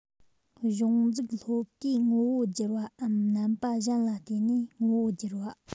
གཞུང འཛུགས སློབ གྲྭའི ངོ བོ བསྒྱུར བའམ རྣམ པ གཞན ལ བརྟེན ནས ངོ བོ བསྒྱུར བ